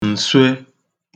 ǹswe